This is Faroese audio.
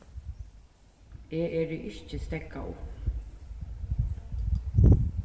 eg eri ikki steðgað upp